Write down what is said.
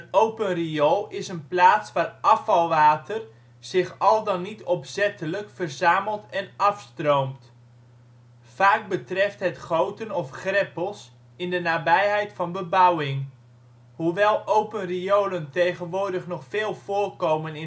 open riool is een plaats waar afvalwater zich al dan niet opzettelijk verzamelt en afstroomt. Vaak betreft het goten of greppels in de nabijheid van bebouwing. Hoewel open riolen tegenwoordig nog veel voorkomen